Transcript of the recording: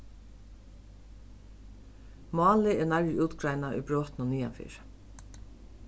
málið er nærri útgreinað í brotinum niðanfyri